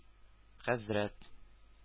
Хәзрәт